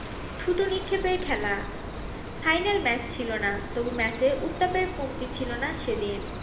থুতু নিক্ষেপের খেলা ফাইনাল ম্যাচ ছিল না তবু ম্যাচে উত্তাপের কমতি ছিল না সেদিন